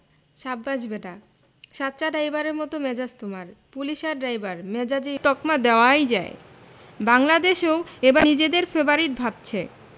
ক্ষয়িষ্ণু শ্রীলঙ্কা ও পিছিয়ে থাকা জিম্বাবুয়ের বিপক্ষে বাংলাদেশকে তো ফেবারিট তকমা দেওয়াই যায় বাংলাদেশও এবার নিজেদের ফেবারিট ভাবছে